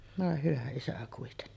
voi hyvä isä kuitenkin